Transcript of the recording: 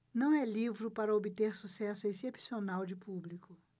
não é livro para obter sucesso excepcional de público